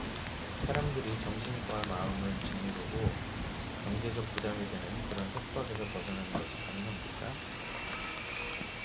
사람들이 정신과 마음을 짓누르고 경제적 부담이 되는 그러한 속박에서 벗어나는 것이 가능합니까